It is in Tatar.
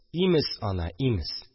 Имез, ана, имез